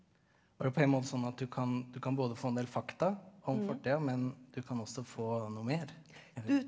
da er det på en måte sånn at du kan du kan både få en del fakta om fortida men du kan også få noe mer eller?